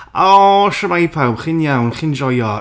O shwmae pawb! Chi'n iawn? Chi'n joio?